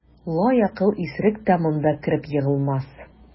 Лаякыл исерек тә монда кереп егылмас.